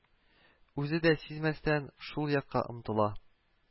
Үзе дә сизмәстән шул якка омтыла